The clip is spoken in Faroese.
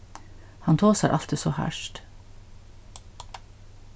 hann tosar altíð so hart